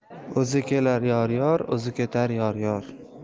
o'zi kelgan yor yor o'zi ketar yor yor